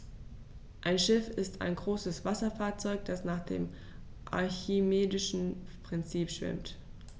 Ein Schiff ist ein größeres Wasserfahrzeug, das nach dem archimedischen Prinzip schwimmt.